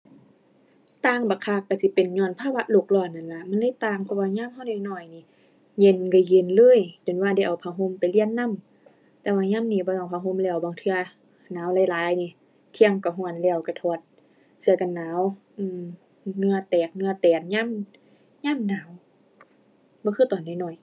ต่างบักคักก็สิเป็นญ้อนภาวะโลกร้อนนั่นล่ะมันเลยต่าง เพราะว่ายามก็น้อยน้อยหนิ เย็นก็เย็นเลย จนว่าได้เอาผ้าห่มไปเรียนนำ แต่ว่ายามนี้บ่ต้องผ้าห่มแล้ว บางเทื่อ หนาวหลายหลายหนิ เที่ยงก็ก็แล้วก็ถอดเสื้อกันหนาว อือ เหงื่อแตกเหงื่อแตนยัน ยามหนาว บ่คือตอนน้อยน้อย